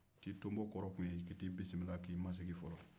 t'i tonbo kɔrɔ tun ye ka t'i bisimila k'i ma sigi fɔlɔn